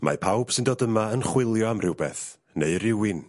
Mae pawb sy'n dod yma yn chwilio am rywbeth neu rhywun